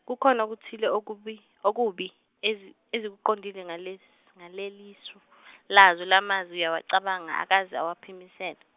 kukhona okuthile okubi- okubi ez- ezikuqondile ngale- ngalelisu lazo, lamazwi uyawacabanga akaze akawaphimisel-.